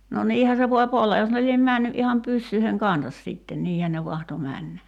no niinhän se voi olla jos ne lie mennyt ihan pyssyjen kanssa sitten niinhän ne mahtoi mennä